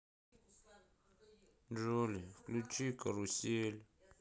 джоли включи карусель